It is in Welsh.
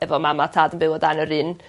efo mam a tad yn byw o dan yr un